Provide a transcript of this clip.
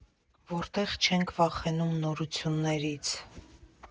Որտեղ չեն վախենում նորություններից։